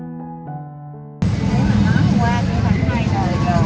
cô làm từ nhỏ đến giờ cũng hai đời rồi